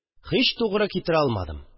Һич тугры китерә алмадым.